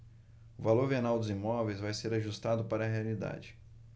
o valor venal dos imóveis vai ser ajustado para a realidade